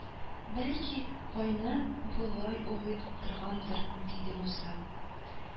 – бәлки, гайнан болай уйлый торгандыр, – диде муса,